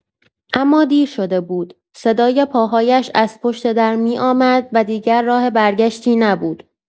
اما دیر شده بود، صدای پاهایش از پشت درمی‌آمد و دیگر راه برگشتی نبود.